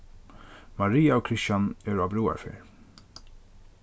maria og kristian eru á brúðarferð